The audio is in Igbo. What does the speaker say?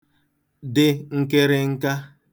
dị nkịrịnka